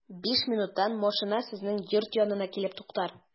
Биш минуттан машина сезнең йорт янына килеп туктар.